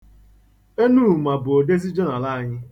Enuma bụ odezi jọnal anyị.